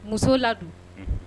Muso ladu